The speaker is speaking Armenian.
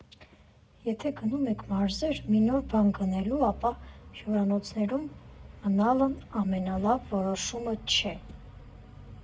Եթե գնում եք մարզեր մի նոր բան գտնելու, ապա հյուրանոցներում մնալն ամենալավ որոշումը չէ։